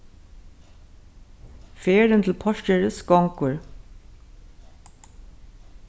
ferðin til porkeris gongur